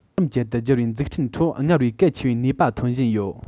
བསྒྱུར བཅོས སྒོ འབྱེད དང དེང རབས ཅན དུ འགྱུར བའི འཛུགས སྐྲུན ཁྲོད སྔར བས གལ ཆེ བའི ནུས པ འཐོན བཞིན ཡོད